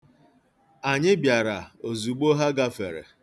Anyị bịara ozugbo ha gafere.